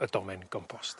y domen gompost.